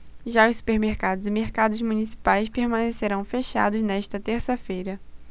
já os supermercados e mercados municipais permanecerão fechados nesta terça-feira